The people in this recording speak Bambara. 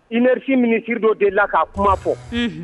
Imerifin min kiri dɔ de la k'a kuma fɔ